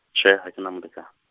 tjhe ha ke na molekane.